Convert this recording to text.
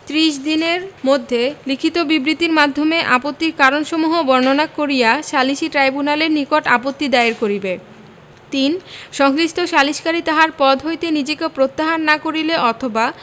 ত্রিশ দিনের মধ্যে লিখিত বিবৃতির মাধ্যমে আপত্তির কারণসমূহ বর্ণনা করিয়া সালিসী ট্রইব্যুনালের নিকট আপত্তি দায়ের করিবে ৩ সংশ্লিষ্ট সালিসকারী তাহার পদ হইতে নিজেকে প্রত্যাহার না করিলে অথবা